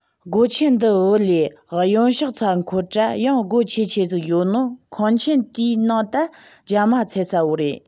སྒོ ཆེན འདི འ བུད ལས གཡོན ཕྱོགས ཚ འཁོར དྲ ཡང སྒོ ཆེ ཆེ ཟིག ཡོད ནོ ཁང ཆེན དེའི ནང ད རྒྱ མ ཚད ས བོ རེད